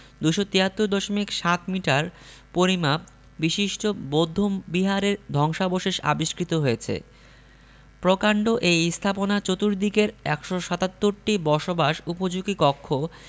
২৭৩ দশমিক সাত মিটার পরিমাপ বিশিষ্ট বৌদ্ধ বিহারের ধ্বংসাবশেষ আবিষ্কৃত হয়েছে প্রকান্ড এই স্থাপনার চতুর্দিকের ১৭৭টি বসবাস উপযোগী কক্ষ